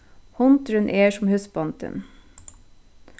hundurin er sum húsbóndin